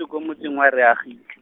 se ko motseng wa Reagile.